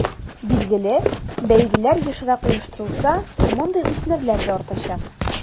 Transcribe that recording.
Билгеле, бәйгеләр ешрак оештырылса, мондый үсмерләр дә артачак.